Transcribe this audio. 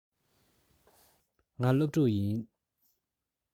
ང སློབ ཕྲུག ཡིན